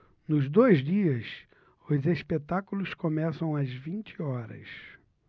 nos dois dias os espetáculos começam às vinte horas